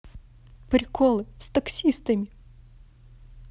приколы с таксистами